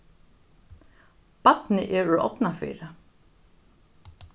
barnið er úr árnafirði